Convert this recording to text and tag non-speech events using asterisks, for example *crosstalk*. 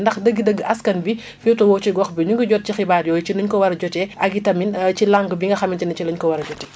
ndax dëgg-dëgg askan bi *breath* féetewoo ci gox bi ñu ngi jot ci xibaar yooyu ci ni ñu ko war a jotee ak itam ci langue bi nga xamante ne ci lañ ko war a jotee